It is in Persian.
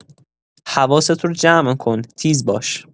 حواست رو جمع‌کن، تیز باش؛